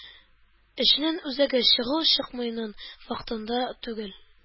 Эшнең үзәге чыгу-чыкмауның фактында түгел.